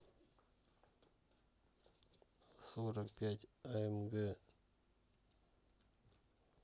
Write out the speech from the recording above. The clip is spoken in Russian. а сорок пять амг